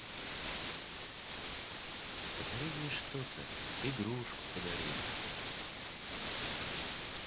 подари мне что то игрушку подарил